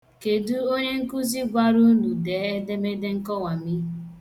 Kedu onyenkuzi gwara unu dee edemede nkọwami?